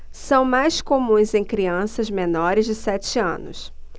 são mais comuns em crianças menores de sete anos